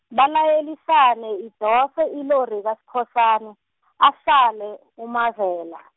balayelisane idose ilori kaSkhosana, asale, uMavela.